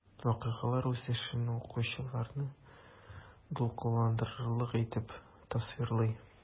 Вакыйгалар үсешен укучыларны дулкынландырырлык итеп тасвирлый.